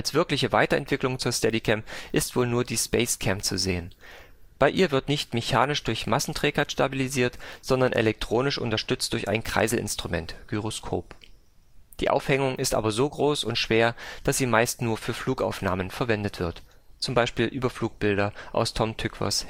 wirkliche Weiterentwicklung zur Steadicam ist wohl nur die SpaceCam zu sehen; bei ihr wird nicht mechanisch durch Massenträgheit stabilisiert, sondern elektronisch unterstützt durch ein Kreiselinstrument (Gyroskop). Die Aufhängung ist aber so groß und schwer, dass sie meist nur für Flugaufnahmen verwendet wird (z. B. die Überflugbilder aus Tom Tykwers